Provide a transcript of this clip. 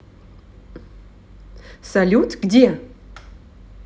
салют где